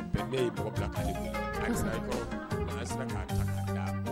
Fɛn ko asakɔ siran